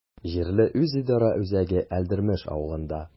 Җирле үзидарә үзәге Әлдермеш авылында.